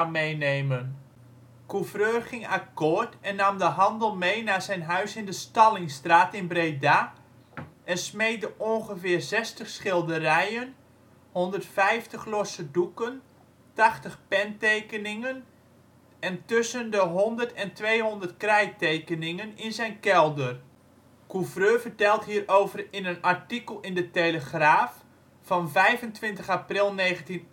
mee nemen. Couvreur ging akkoord en nam de handel mee naar zijn huis in de Stallingstraat in Breda en smeet de ongeveer zestig schilderijen, honderdvijftig losse doeken, tachtig pentekeningen en tussen de honderd en tweehonderd krijttekeningen in zijn kelder. Couvreur vertelt hierover in een artikel in De Telegraaf van 25 april 1938